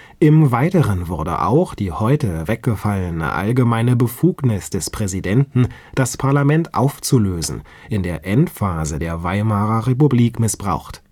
Im weiteren wurde auch die heute weggefallene allgemeine Befugnis des Präsidenten, das Parlament aufzulösen, in der Endphase der Weimarer Republik missbraucht